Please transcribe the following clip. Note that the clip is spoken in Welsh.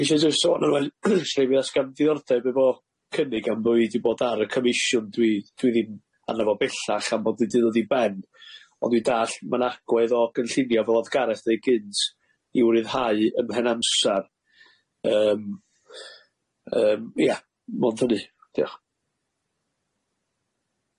O'n i isie jyst sôn arno fe'n isie i fi os gan diddordeb efo cynnig am bo' i di bod ar y comisiwn dwi dwi ddim arno fo bellach am bod i di ddod i ben. Oni dall' ma'n agwedd o gynllunio fel odd Gareth ddeud gynt i'w ryddhau ym mhen amsar yym yym ia mond hynny. Dioch